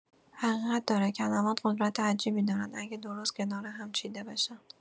حقیقت داره، کلمات قدرت عجیبی دارن، اگه درست کنار هم چیده بشن.